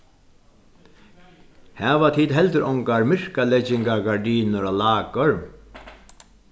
hava tit heldur ongar myrkaleggingargardinur á lagur